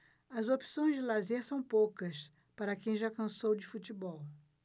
as opções de lazer são poucas para quem já cansou de futebol